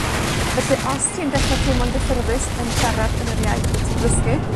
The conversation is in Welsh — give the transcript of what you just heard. Felly, os ti'n dechra teimlo'n gyffyrddus yn siarad yn yr iaith wt ti'n ddysgu,